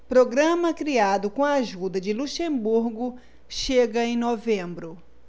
programa criado com a ajuda de luxemburgo chega em novembro